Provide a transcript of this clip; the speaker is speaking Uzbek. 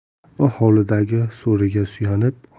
u hovlidagi so'riga suyanib